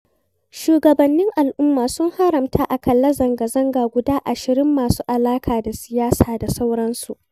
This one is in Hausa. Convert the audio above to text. Shugabannin al'umma sun haramta a ƙalla zanga-zanga guda 20 masu alaƙa da siyasa da sauransu.